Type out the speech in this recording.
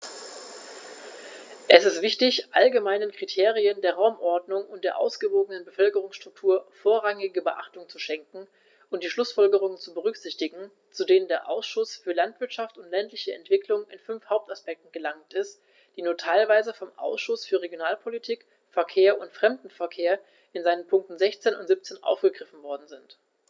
Es ist wichtig, allgemeinen Kriterien der Raumordnung und der ausgewogenen Bevölkerungsstruktur vorrangige Beachtung zu schenken und die Schlußfolgerungen zu berücksichtigen, zu denen der Ausschuss für Landwirtschaft und ländliche Entwicklung in fünf Hauptaspekten gelangt ist, die nur teilweise vom Ausschuss für Regionalpolitik, Verkehr und Fremdenverkehr in seinen Punkten 16 und 17 aufgegriffen worden sind.